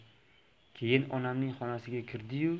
keyin onamning xonasiga kirdi yu